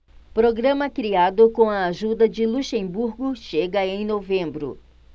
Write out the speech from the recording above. programa criado com a ajuda de luxemburgo chega em novembro